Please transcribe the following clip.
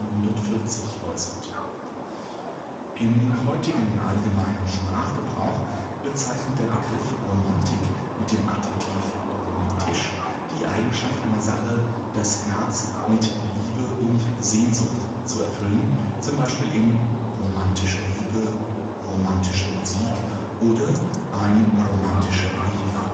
1940) äußert. Im heutigen, allgemeinen Sprachgebrauch bezeichnet der Begriff Romantik mit dem Adjektiv romantisch die Eigenschaft einer Sache, das Herz mit Liebe und Sehnsucht zu erfüllen, z. B. in „ romantische Liebe “,„ romantische Musik “oder „ ein romantischer Brief